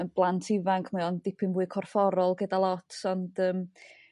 'yn blant ifanc mae o'n dipyn fwy corfforol gyda lot ond yrm